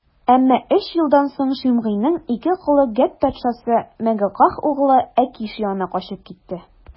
Әмма өч елдан соң Шимгыйның ике колы Гәт патшасы, Мәгакәһ углы Әкиш янына качып китте.